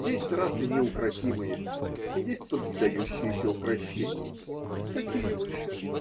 Есть расы неукротимые, и есть поддающиеся укрощению. Какие выше?